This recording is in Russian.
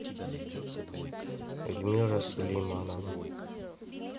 эльмира сулейманова